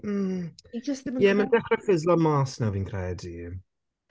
Mm ... fi jyst ddim yn cred- ...ie mae'n dechrau ffislo mas nawr fi'n credu.